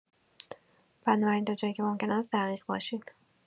بنابراین تا جایی که ممکن است دقیق باشید.